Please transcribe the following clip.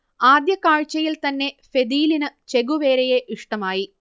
ആദ്യ കാഴ്ചയിൽ തന്നെ ഫെദീലിനു ചെഗുവേരയെ ഇഷ്ടമായി